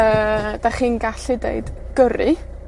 Yy, 'dach chi'n gallu deud gyrru.